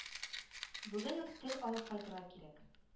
Бүген үк тел алып кайтырга кирәк